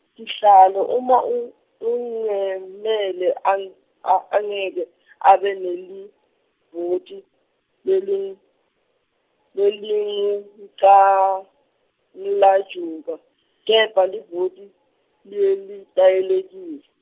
sihlalo uma u, engamele ang- a-, angeke abe nelivoti leli, lelingumncamlajucu kepha livoti leletayelekile.